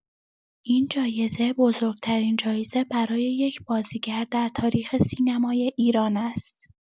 این جایزه بزرگ‌ترین جایزه برای یک بازیگر در تاریخ سینمای ایران است.